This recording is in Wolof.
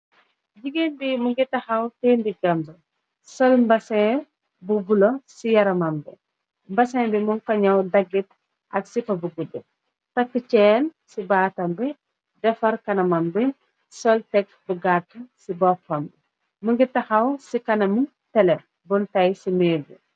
Jigéen bi më ngi tahaw teh ndi gamg bi sol mbasin bu bulo ci yaramam bi, mbasin bi mu ko ñaw daggit ak sipa bu guddu. Takk cheen ci baatam bi, defar kanamam bi, sol tek bu gàtt ci boppam bi. mëngi tahaw ci kanamu tele bun tey ci méer bi.